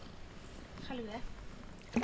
Хәлвә